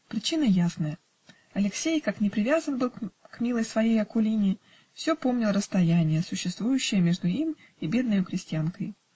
Причина ясная: Алексей, как ни привязан был к милой своей Акулине, все помнил расстояние, существующее между им и бедной крестьянкою